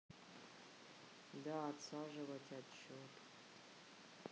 да отсаживать отчет